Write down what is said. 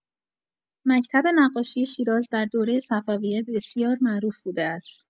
مکتب نقاشی شیراز در دوره صفویه بسیار معروف بوده است.